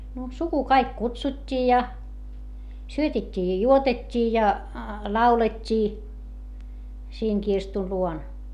no suku kaikki kutsuttiin ja syötettiin ja juotettiin ja laulettiin siinä kirstun luona